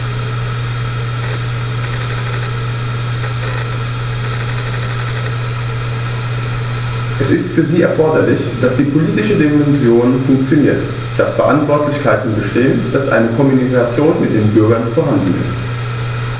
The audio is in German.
Es ist für sie erforderlich, dass die politische Dimension funktioniert, dass Verantwortlichkeiten bestehen, dass eine Kommunikation mit den Bürgern vorhanden ist.